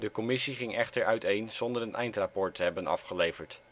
commissie ging echter uiteen zonder een eindrapport te hebben afgeleverd